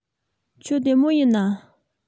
ཁྱོད བདེ མོ ཡིན ན